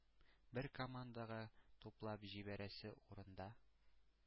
Бер командага туплап җибәрәсе урында,